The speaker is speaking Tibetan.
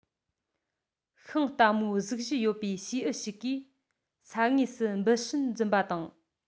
ཤིང རྟ མོའི གཟུགས གཞི ཡོད པའི བྱེའུ ཞིག གིས ས ངོས སུ འབུ སྲིན འཛིན པ དང